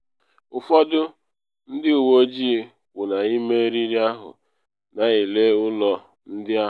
Ụfọdụ ndị uwe ojii kwụ n’ime eriri ahụ na elele ụlọ ndị ahụ.